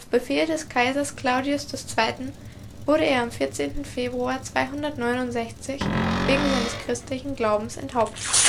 Befehl des Kaisers Claudius II. wurde er am 14. Februar 269 wegen seines christlichen Glaubens enthauptet